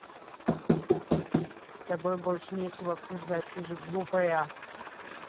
с тобой больше нечего обсуждать ты же глупая